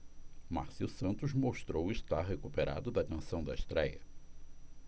márcio santos mostrou estar recuperado da tensão da estréia